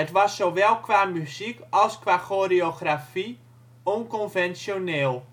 was zowel qua muziek als qua choreografie onconventioneel